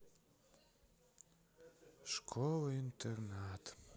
школа интернат